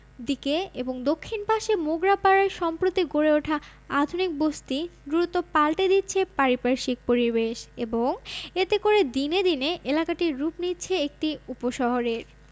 দিকে এবং দক্ষিণ পাশে মোগরাপাড়ায় সম্প্রতি গড়ে ওঠা আধুনিক বসতি দ্রুত পাল্টে দিচ্ছে পারিপার্শ্বিক পরিবেশ এবং এতে করে দিনে দিনে এলাকাটি রূপ নিচ্ছে একটি উপশহরের